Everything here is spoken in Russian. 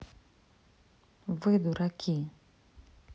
вы дураки